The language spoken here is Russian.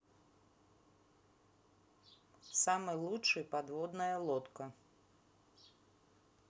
самый лучший подводная лодка